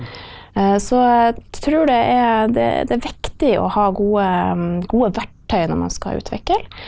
så jeg tror det er det er det er viktig å ha gode gode verktøy når man skal utvikle.